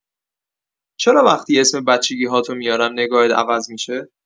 چرا وقتی اسم بچگی‌هاتو میارم، نگاهت عوض می‌شه؟